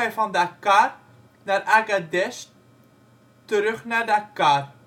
van Dakar naar Agadez terug naar Dakar